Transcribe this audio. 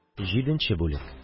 Җиденче бүлек